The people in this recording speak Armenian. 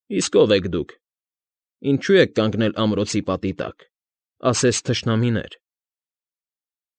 Իսկ ո՞վ եք դուք։ Ինչո՞ւ եք կանգնել ամրոցի պատի տակ, ասես թշնամիներ։